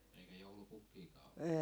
eikä joulupukkiakaan ollut